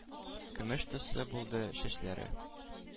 Көмеш төсле булды чәчләре.